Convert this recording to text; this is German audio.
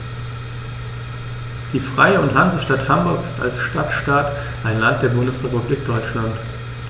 Die Freie und Hansestadt Hamburg ist als Stadtstaat ein Land der Bundesrepublik Deutschland.